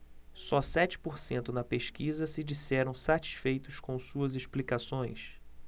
só sete por cento na pesquisa se disseram satisfeitos com suas explicações